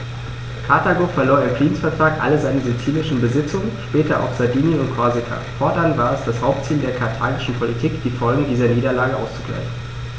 Karthago verlor im Friedensvertrag alle seine sizilischen Besitzungen (später auch Sardinien und Korsika); fortan war es das Hauptziel der karthagischen Politik, die Folgen dieser Niederlage auszugleichen.